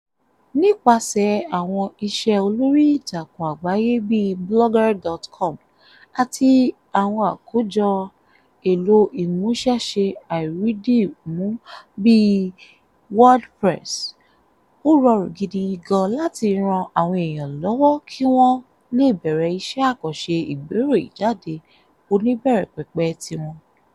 Nípasẹ̀ àwọn iṣẹ́ olórí-ìtakùn àgbáyé bíi Blogger.com àti àwọn àkójọ èlò ìmúṣẹ́ṣe àìrídìmú bíi WordPress, ó rọrùn gidi gan láti ran àwọn èèyàn lọ́wọ́ kí wọ́n lè bẹ̀rẹ̀ iṣẹ́ àkànṣe ìgbéròyìnjáde oníbẹ̀rẹ̀pẹ̀pẹ̀ tiwọn.